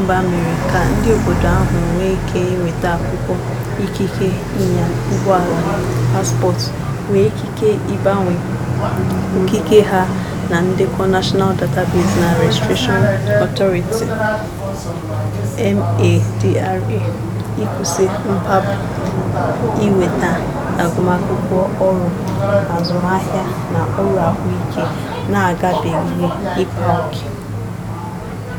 Mba mere ka ndị obodo ahụ nwee ike inweta akwụkwọ ikike ịnya ụgbọ ala, pasịpọọtụ, nwee ikike ịgbanwe okike ha na ndekọ National Database and Registration Authority (NADRA), ịkwụsị mkpagbu, inweta agụmakwụkwọ, ọrụ n'azụmaahịa na ọrụ ahụike na-agabigaghị ịkpa oke.